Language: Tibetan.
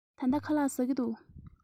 ད ལྟ ཁ ལག ཟ གི འདུག